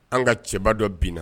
An ka cɛbaba dɔ bin na